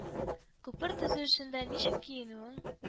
Күпер төзү эшендә ничек киенүең